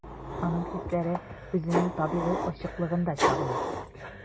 Аның хисләре үзенең табигый ачыклыгында чагыла.